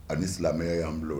Ani silamɛya y'an bila